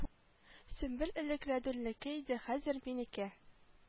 Сөмбел элек рүдәлнеке иде хәзер минеке